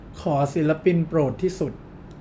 ขอศิลปินโปรดที่สุด